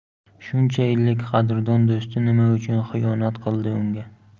shuncha yillik qadrdon do'sti nima uchun xiyonat qildi unga